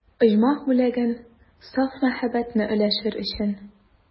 Оҗмах бүләген, саф мәхәббәтне өләшер өчен.